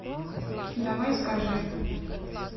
давай скажи